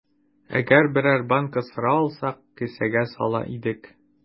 Әгәр берәр банка сыра алсак, кесәгә сала идек.